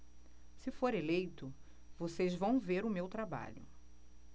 se for eleito vocês vão ver o meu trabalho